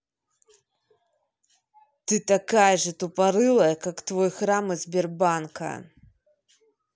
ты такая же тупорылая как и твой храм из сбербанка